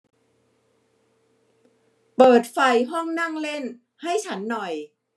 เปิดไฟห้องนั่งเล่นให้ฉันหน่อย